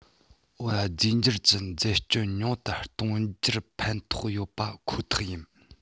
འོད རྫས འགྱུར གྱི བརྫད སྐྱོན ཉུང དུ གཏོང རྒྱུར ཕན ཐོགས ཡོད པ ཁོ ཐག ཡིན